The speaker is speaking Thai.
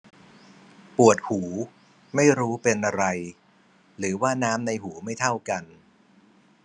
ปวดหูไม่รู้เป็นอะไรหรือว่าน้ำในหูไม่เท่ากัน